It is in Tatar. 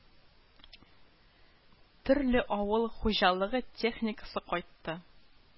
Төрле авыл хуҗалыгы техникасы кайтты